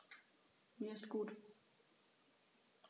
Mir ist gut.